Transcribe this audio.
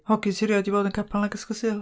Hogyn sy erioed 'di bod yn capel nag ysgol Sul.